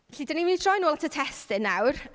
Felly, dan ni'n mynd i droi nôl at y testun nawr.